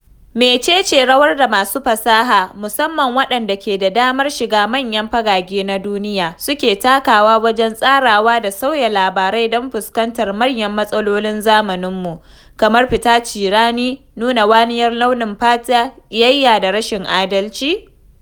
Mecece rawar da masu fasaha, musamman waɗanda ke da damar shiga manyan fagage na duniya, suke takawa wajen tsarawa da sauya labarai don fuskantar manyan matsalolin zamaninmu, kamar fita cirani, nuna wariyar launin fata, ƙiyayya da rashin adalci?